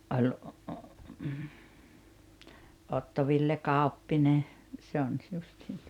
- Otto Ville Kauppinen se on - justiin tuota